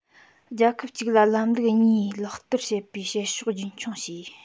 རྒྱལ ཁབ གཅིག ལ ལམ ལུགས གཉིས ལག བསྟར བྱེད པའི བྱེད ཕྱོགས རྒྱུན འཁྱོངས བྱས